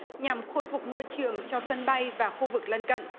nhằm khôi phục môi trường cho sân bay và khu vực lân cận